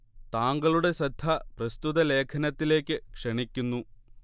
താങ്കളുടെ ശ്രദ്ധ പ്രസ്തുത ലേഖനത്തിലേക്ക് ക്ഷണിക്കുന്നു